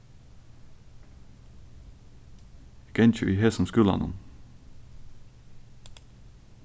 eg gangi í hesum skúlanum